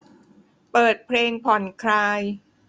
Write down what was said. เปิดเพลงผ่อนคลาย